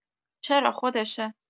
چرا خودشه!